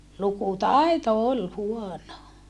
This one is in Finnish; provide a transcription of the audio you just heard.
lukutaito oli huono